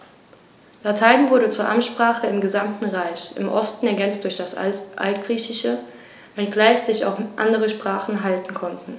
Latein wurde zur Amtssprache im gesamten Reich (im Osten ergänzt durch das Altgriechische), wenngleich sich auch andere Sprachen halten konnten.